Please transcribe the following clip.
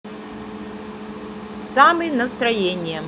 самый настроение